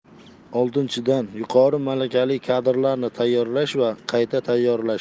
oltinchidan yuqori malakali kadrlarni tayyorlash va qayta tayyorlash